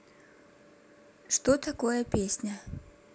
что такое песня